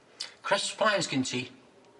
Crisps plaen sgin ti?